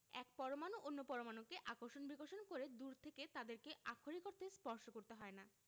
এক পরমাণু অন্য পরমাণুকে আকর্ষণ বিকর্ষণ করে দূর থেকে তাদেরকে আক্ষরিক অর্থে স্পর্শ করতে হয় না